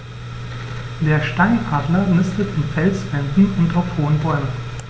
Der Steinadler nistet in Felswänden und auf hohen Bäumen.